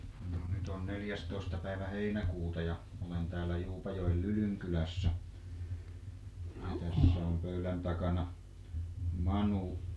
no nyt on neljästoista päivä heinäkuuta ja olen täällä Juupajoella Lylyn kylässä ja tässä on pöydän takana Manu